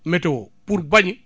météo pour bañ